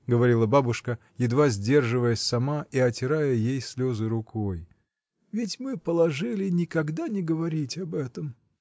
— говорила бабушка, едва сдерживаясь сама и отирая ей слезы рукой, — ведь мы положили никогда не говорить об этом.